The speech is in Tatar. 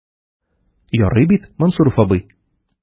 Ярый бит, Мансуров абый?